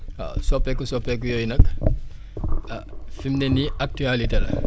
waaw soppeeku soppeeku yooyu nag ah fim ne nii actualité la